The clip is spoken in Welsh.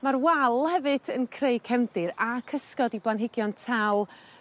Ma'r wal hefyd yn creu cefndir a cysgod i blanhigion tal